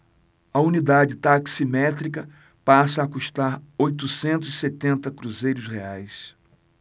a unidade taximétrica passa a custar oitocentos e setenta cruzeiros reais